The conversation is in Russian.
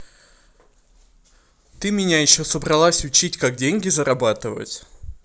ты меня еще собралась чуть как деньги зарабатывать